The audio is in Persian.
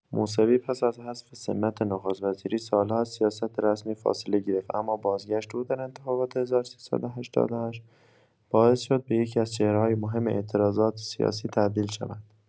موسوی پس از حذف سمت نخست‌وزیری سال‌ها از سیاست رسمی فاصله گرفت اما بازگشت او در انتخابات ۱۳۸۸ باعث شد به یکی‌از چهره‌های مهم اعتراضات سیاسی تبدیل شود.